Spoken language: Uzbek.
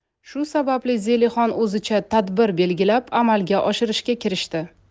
shu sababli zelixon o'zicha tadbir belgilab amalga oshirishga kirishdi